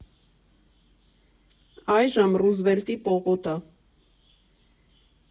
Այժմ՝ Ռուզվելտի պողոտա։